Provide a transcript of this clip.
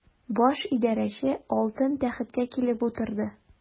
Баш идарәче алтын тәхеткә килеп утырды.